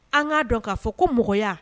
An k'a dɔn k'a fɔ ko mɔgɔya